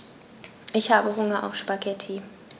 Ich habe Hunger auf Spaghetti.